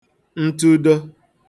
ntụdo